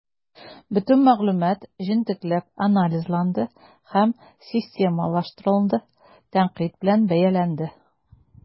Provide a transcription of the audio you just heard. Бөтен мәгълүмат җентекләп анализланды һәм системалаштырылды, тәнкыйть белән бәяләнде.